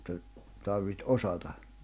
että tarvitsi osata